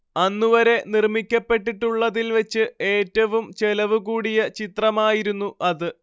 അന്നുവരെ നിർമ്മിക്കപ്പെട്ടിട്ടുള്ളതിൽവെച്ച് ഏറ്റവും ചെലവുകൂടിയ ചിത്രമായിരുന്നു അത്